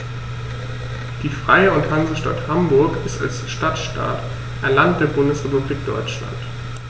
Die Freie und Hansestadt Hamburg ist als Stadtstaat ein Land der Bundesrepublik Deutschland.